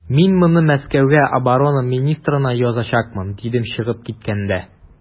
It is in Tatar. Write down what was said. Мин моны Мәскәүгә оборона министрына язачакмын, дидем чыгып киткәндә.